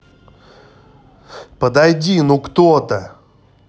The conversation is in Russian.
подойди ну кто то